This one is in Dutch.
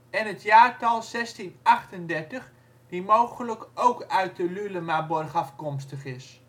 en het jaartal 1638, die mogelijk ook uit de Lulemaborg afkomstig is